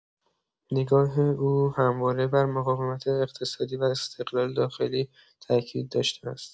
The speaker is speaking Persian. نگاه او همواره بر مقاومت اقتصادی و استقلال داخلی تأکید داشته است.